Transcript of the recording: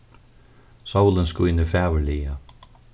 sólin skínur fagurliga